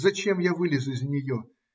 Зачем я вылез из нее?